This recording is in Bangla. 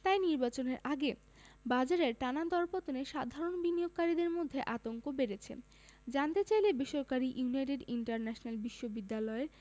তাই নির্বাচনের আগে বাজারের টানা দরপতনে সাধারণ বিনিয়োগকারীদের মধ্যে আতঙ্ক বেড়েছে জানতে চাইলে বেসরকারি ইউনাইটেড ইন্টারন্যাশনাল বিশ্ববিদ্যালয়ের